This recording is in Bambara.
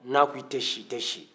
n'a ko i tɛ si i tɛ si